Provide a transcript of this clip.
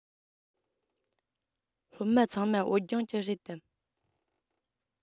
སློབ མ ཚང མ བོད ལྗོངས ཀྱི རེད དམ